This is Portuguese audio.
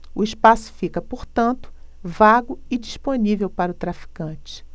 o espaço fica portanto vago e disponível para o traficante